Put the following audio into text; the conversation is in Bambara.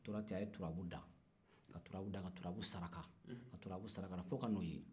a tora ten a ye turabu da ka turabu saraka fo ka n'o ye